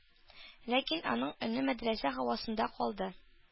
Ләкин аның өне мәдрәсә һавасында калды.